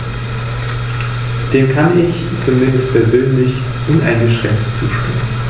Lassen Sie mich das begründen.